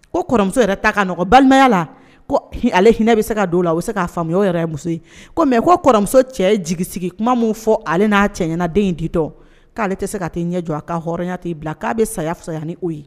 Ko kɔrɔmuso yɛrɛ ta balimayala ale hinɛ bɛ se ka don la u bɛ se k'a faamuya yɛrɛ muso ye mɛ ko kɔrɔmuso cɛ jigisigi kuma min fɔ ale n'a cɛ ɲɛna den in di k'ale ale tɛ se ka'i ɲɛ jɔ a ka hɔrɔnya t'i bila k'a bɛ saya fisaya ni o ye